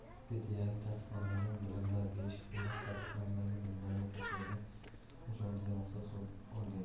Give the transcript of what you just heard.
wikipedia yangi tasdiqlanmagan bilimlar berish emas tasdiqlangan bilimlarni o'quvchilarga yetkazishni o'z oldiga maqsad qilib olgan